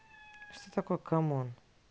что такое common